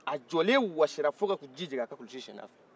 a jɔlen wachira fo ka ji jigin a kulusifɛ